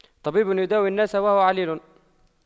طبيب يداوي الناس وهو عليل